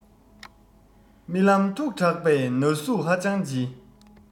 རྨི ལམ མཐུགས དྲགས པས ན ཟུག ཧ ཅང ལྕི